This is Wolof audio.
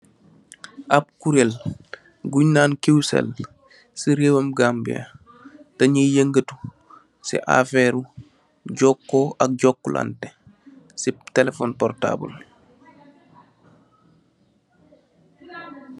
Ab kurail, gunye naan Qcell, si raiwam Gambia, danyii yangatuh, si afeeru jokooh ak joklanteh sip telephone portaable.